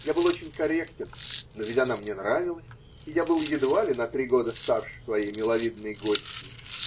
Я был очень корректен, но ведь она мне нравилась, и я был едва ли на три года старше своей миловидной гостьи